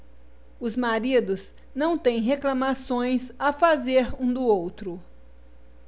os maridos não têm reclamações a fazer um do outro